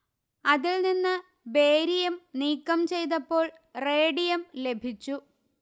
അതിൽ നിന്ന് ബേരിയം നീക്കം ചെയ്തപ്പോൾ റേഡിയം ലഭിച്ചു